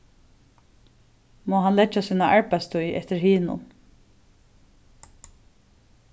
má hann leggja sína arbeiðstíð eftir hinum